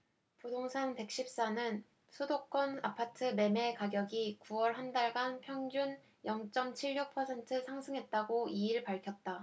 부동산 백 십 사 는 수도권 아파트 매매가격이 구 월 한달간 평균 영 쩜 칠 육 퍼센트 상승했다고 이 일 밝혔다